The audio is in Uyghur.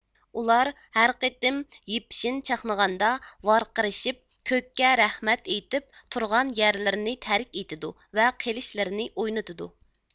ئۇلار ھەر قىتىم يىپشېن چاقنىغاندا ۋارقىرىشىپ كۆككە رەھمەت ئىيتىپ تۇرغان يەرلىرىنى تەرك ئىتىدۇ ۋە قىلىچلىرىنى ئوينىتىدۇ